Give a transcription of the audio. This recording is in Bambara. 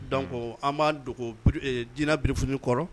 Dɔnc an b'a dogo diinɛ brifoni kɔrɔ